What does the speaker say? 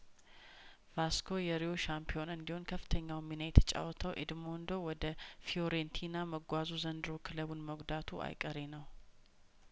ቫስኮ የሪዮ ሻምፒዮን እንዲሆን ከፍተኛውን ሚና የተጫወተው ኤድሞንዶ ወደ ፊዮሬንቲና መጓዙ ዘንድሮ ክለቡን መጉዳቱ አይቀሬ ነው